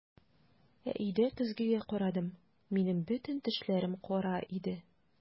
Ә өйдә көзгегә карадым - минем бөтен тешләрем кара иде!